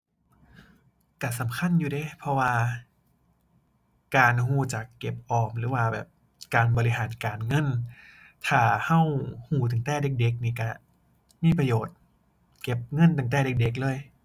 ก็สำคัญอยู่เดะ เพราะว่าการก็จักเก็บออม หรือว่าแบบการบริหารการเงิน ถ้าก็ก็ตั้งแต่เด็กเด็กนี้ก็ มีประโยชน์ เก็บเงินตั้งแต่เด็กเด็กเลย